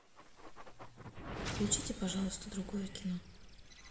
включите пожалуйста другое кино